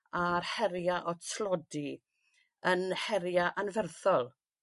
a'r heria' o tlodi yn heria' anferthol.